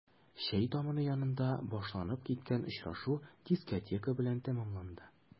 Чәй табыны янында башланып киткән очрашу дискотека белән тәмамланды.